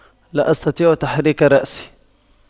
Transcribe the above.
لا أستطيع تحريك رأسي